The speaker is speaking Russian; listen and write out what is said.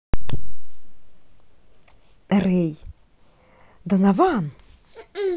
рэй донован